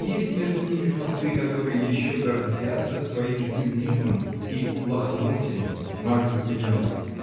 есть между ними фаты, которые еще гордятся своим цинизмом и лохмотьями. Марк засмеялся.